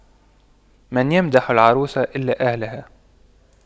من يمدح العروس إلا أهلها